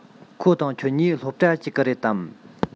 ཁོ དང ཁྱོད གཉིས སློབ གྲྭ གཅིག གི རེད དམ